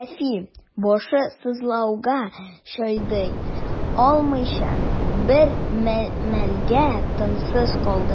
Шәфи, башы сызлауга чыдый алмыйча, бер мәлгә тынсыз калды.